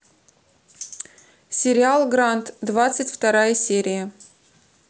сериал гранд двадцать вторая серия